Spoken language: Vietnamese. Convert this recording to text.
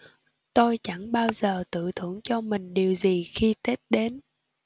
tôi chẳng bao giờ tự thưởng cho mình điều gì khi tết đến